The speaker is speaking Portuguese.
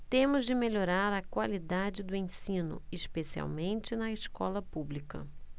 temos de melhorar a qualidade do ensino especialmente na escola pública